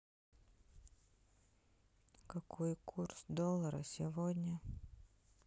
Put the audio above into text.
какой курс доллара сегодня